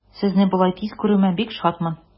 Сезне болай тиз күрүемә бик шатмын.